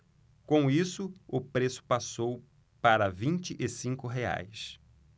com isso o preço passou para vinte e cinco reais